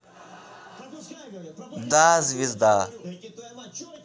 да звезда